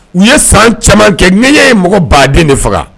U ye san caman kɛ ne ɲɛ ye mɔgɔ baden de faga